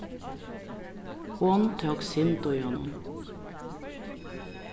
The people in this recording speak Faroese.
hon tók synd í honum